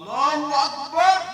Wa koyi